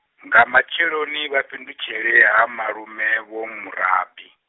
nga matsheloni vha fhindutshele ha vho malume Vho Murabi.